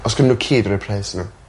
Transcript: Os gynnyn n'w ci dwi roi pres i n'w.